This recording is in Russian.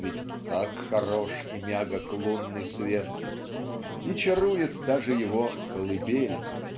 Ведь "так хорош и мягок лунный свет", и чарует даже его "колыбель"